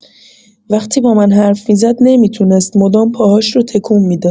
وقتی با من حرف می‌زد نمی‌تونست مدام پاهاش رو تکون می‌داد.